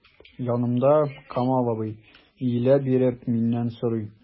Янымда— Камал абый, иелә биреп миннән сорый.